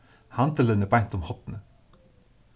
handilin er beint um hornið